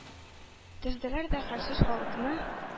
Тезделәр дә хәлсез халыкны,